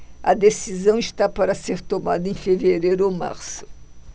a decisão está para ser tomada em fevereiro ou março